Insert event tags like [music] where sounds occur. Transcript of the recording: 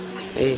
[hesitation]